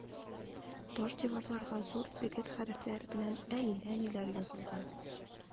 Таш диварларга зур дегет хәрефләр белән әллә ниләр язылган.